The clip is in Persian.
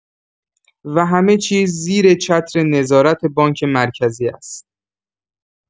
و همه چیز زیر چتر نظارت بانک مرکزی است.